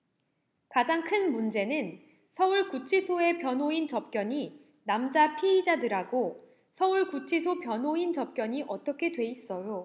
가장 큰 문제는 서울 구치소에 변호인 접견이 남자 피의자들하고 서울 구치소 변호인 접견이 어떻게 돼 있어요